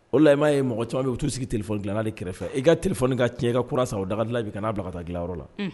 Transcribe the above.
O olahi' ye mɔgɔ caman min bɛ u turu sigi ci t- dilanali kɛrɛfɛ i ka t terikɛin ka tiɲɛ kauran sa o dagala bɛ ka n'a bila ka taa dilanyɔrɔ la